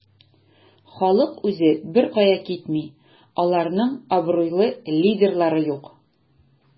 Халык үзе беркая китми, аларның абруйлы лидерлары юк.